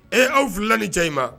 Ee awfi ni cɛ ma